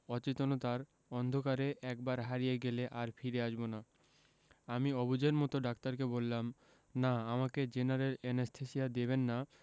অচেতনতার অন্ধকারে একবার হারিয়ে গেলে আর ফিরে আসবো না আমি অবুঝের মতো ডাক্তারকে বললাম না আমাকে জেনারেল অ্যানেসথেসিয়া দেবেন না